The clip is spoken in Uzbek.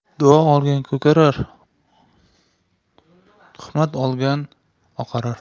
duo olgan ko'karar tuhmat olgan oqarar